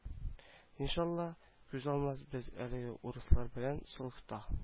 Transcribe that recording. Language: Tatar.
Иншалла кузгалмас без әлегә урыслар белән солыхта